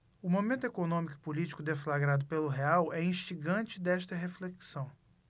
o momento econômico e político deflagrado pelo real é instigante desta reflexão